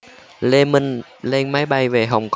lê minh lên máy bay về hồng